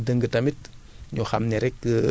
te xam ne daal ñu xam ni daal lépp lu ci jub